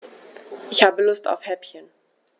Ich habe Lust auf Häppchen.